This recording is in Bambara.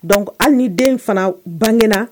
Don aw ni den fana bangena